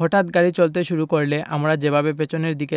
হঠাৎ গাড়ি চলতে শুরু করলে আমরা যেভাবে পেছনের দিকে